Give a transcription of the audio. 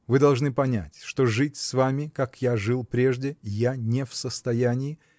Вы должны понять, что жить с вами, как я жил прежде, я не в состоянии